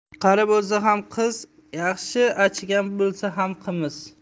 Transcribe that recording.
qari bo'lsa ham qiz yaxshi achigan bo'lsa ham qimiz